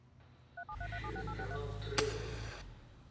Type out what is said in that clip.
эфирный канал тревел